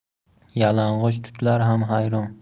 yalang'och tutlar ham hayron